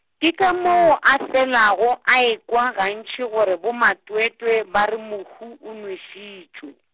ke ka moo a felago, a ekwa gantši gore bomatwetwe ba re mohu o nwešitšwe.